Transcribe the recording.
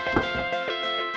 có